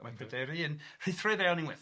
a mae Pryderi yn rhuthro i fewn unwaith.